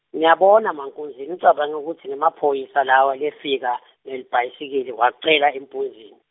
ngiyabona mankunzini ucabange kutsi ngemaphoyisa lawa lefika, ngelibhayisikili wacela empunzini.